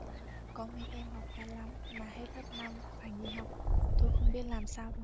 có mấy em học khá lắm mà hết lớp năm phải nghỉ học tôi không biết làm sao được